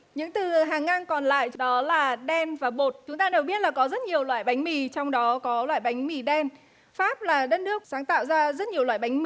những từ hàng ngang còn lại đó là đen và bột chúng ta đều biết là có rất nhiều loại bánh mì trong đó có loại bánh mì đen pháp là đất nước sáng tạo ra rất nhiều loại bánh mì